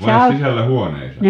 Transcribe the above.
vai sisällä huoneissa